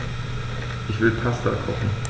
Ich will Pasta kochen.